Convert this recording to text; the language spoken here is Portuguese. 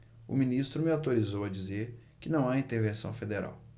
o ministro me autorizou a dizer que não há intervenção federal